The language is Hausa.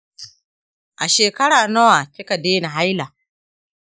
a shekara nawa kika daina haila?